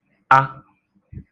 a